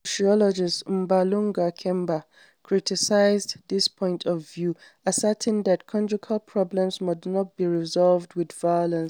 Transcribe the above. Sociologist Mbangula Kemba criticized this point of view, asserting that conjugal problems must not be resolved with violence.